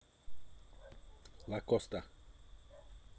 лакоста